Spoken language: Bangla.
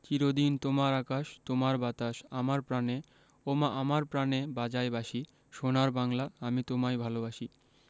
চির দিন তোমার আকাশ তোমার বাতাস আমার প্রাণে ওমা আমার প্রানে বাজায় বাঁশি সোনার বাংলা আমি তোমায় ভালোবাসি